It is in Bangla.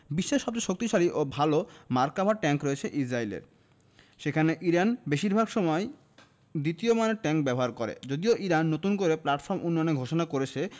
বিশ্বের সবচেয়ে শক্তিশালী ও ভালো মার্কাভা ট্যাংক রয়েছে ইসরায়েলের সেখানে ইরান বেশির ভাগ সময় দ্বিতীয় মানের ট্যাংক ব্যবহার করে যদিও ইরান নতুন করে প্ল্যাটফর্ম উন্নয়নের ঘোষণা করেছে